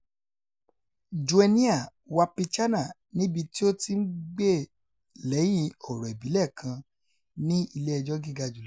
Joenia Wapichana níbi tí ó ti ń gbè lẹ́yìn ọ̀rọ̀ ìbílẹ̀ kan ní ilé-ẹjọ́ gíga jùlọ.